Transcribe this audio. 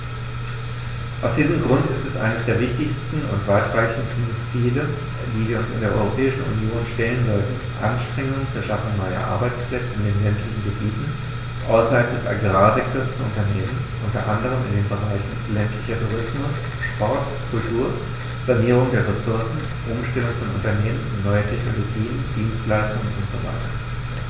Aus diesem Grund ist es eines der wichtigsten und weitreichendsten Ziele, die wir uns in der Europäischen Union stellen sollten, Anstrengungen zur Schaffung neuer Arbeitsplätze in den ländlichen Gebieten außerhalb des Agrarsektors zu unternehmen, unter anderem in den Bereichen ländlicher Tourismus, Sport, Kultur, Sanierung der Ressourcen, Umstellung von Unternehmen, neue Technologien, Dienstleistungen usw.